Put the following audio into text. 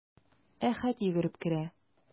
Әхәт йөгереп керә.